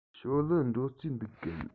ཞའོ ལིའི འགྲོ རྩིས འདུག གམ